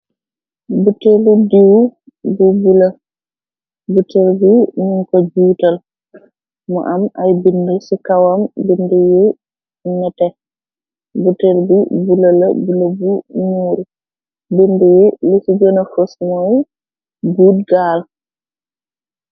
Buteel lu dew bu bola botël bi nun ko jiital mu am ay bind ci kawam bind yi nete bu tël bi bula la bule bu muuru bind yi li ci jëna foss mooy dood gaal.